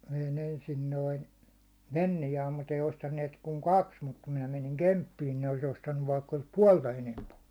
vein ensin noin Fenniaan mutta ei ostaneet kuin kaksi mutta kun minä menin Kemppiin ne olisi ostanut vaikka olisi puolta enempi ollut